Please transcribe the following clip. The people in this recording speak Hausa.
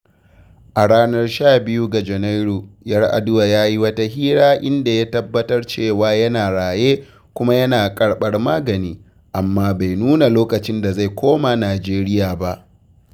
A ranar 12 ga Janairu, Yar’Adua ya yi wata hira inda ya tabbatar cewa yana raye kuma yana karɓar magani, amma bai nuna lokacin da zai koma Najeriya ba.